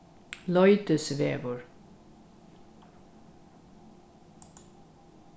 leitisvegur